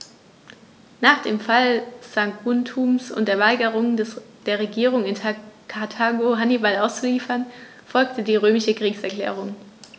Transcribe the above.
Nach dem Fall Saguntums und der Weigerung der Regierung in Karthago, Hannibal auszuliefern, folgte die römische Kriegserklärung.